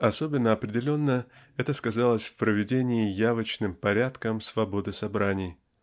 Особенно определенно это сказалось в проведении явочным порядком свободы собраний.